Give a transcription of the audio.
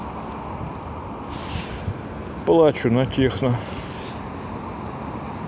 плачу на техно